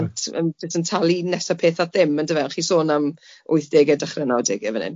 plant yym jyst yn talu nesa peth at ddim yndyfe ond chi'n sôn am wythdege dechre nawdege fan hyn.